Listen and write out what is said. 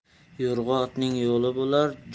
yo'rg'a otning yo'li